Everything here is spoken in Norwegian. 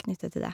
knyttet til det.